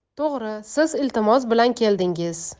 to'g'ri siz iltimos bilan keldingiz